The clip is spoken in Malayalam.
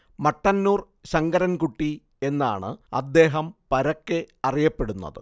മട്ടന്നൂർ ശങ്കരൻ കുട്ടി എന്നാണ് അദ്ദേഹം പരക്കെ അറിയപ്പെടുന്നത്